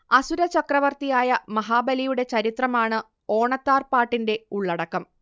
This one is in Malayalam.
അസുര ചക്രവർത്തിയായ മഹാബലിയുടെ ചരിത്രമാണ് ഓണത്താർ പാട്ടിന്റെ ഉള്ളടക്കം